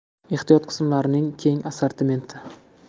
ehtiyot qismlarning keng assortimenti